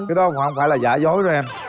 cái đó không phải là giả dối đâu em